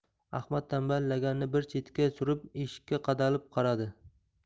ahmad tanbal laganni bir chetga surib eshikka qadalib qaradi